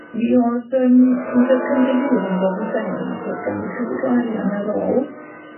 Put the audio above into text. mi o'dd yym Undeb Cymru Fydd yn dod i ben ac o'dd ganddi chydig o arian ar ôl